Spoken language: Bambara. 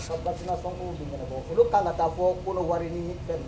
Bafin' taa fɔ bolo wari